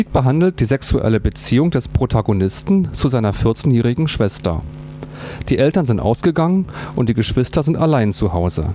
behandelt die sexuelle Beziehung des Protagonisten zu seiner 14-jährigen Schwester. Die Eltern sind ausgegangen, und die Geschwister sind allein Zuhause